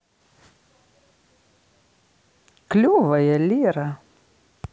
клевая лера